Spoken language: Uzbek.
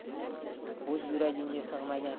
o'z yuragingga sig'magan